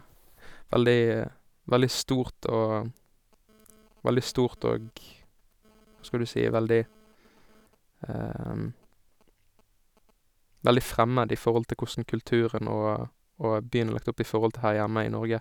veldig veldig stort og Veldig stort og, hva skal du si, veldig veldig fremmed i forhold til kossen kulturen og og byen er lagt opp i forhold til her hjemme i Norge.